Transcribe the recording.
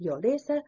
yo'lda esa